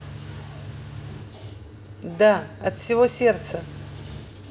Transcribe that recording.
да от всего сердца